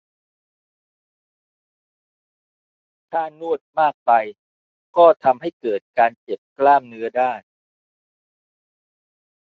ถ้านวดมากไปก็ทำให้เกิดการเจ็บกล้ามเนื้อได้